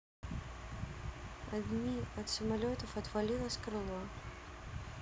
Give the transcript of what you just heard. adme от самолетов отвалилось крыло